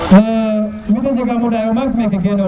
mi de jaɓama leya maàk meke geno xuma